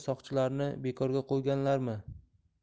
soqchilarni bekorga qo'yganlarmi